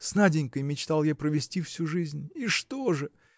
с Наденькой мечтал я провести всю жизнь – и что же?